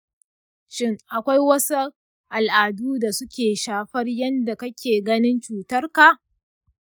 shin akwai wasu al'adu da suke shafar yadda kake ganin cutarka?